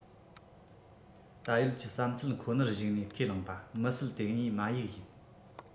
ད ཡོད ཀྱི བསམ ཚུལ ཁོ ནར གཞིགས ནས ཁས བླངས པ མི སྲིད དེ གཉིས མ ཡིག ཡིན